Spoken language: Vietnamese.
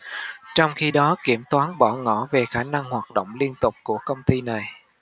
trong khi đó kiểm toán bỏ ngỏ về khả năng hoạt động liên tục của công ty này